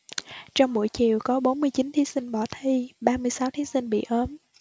trong buổi chiều có bốn mươi chín thí sinh bỏ thi ba mươi sáu thí sinh bị ốm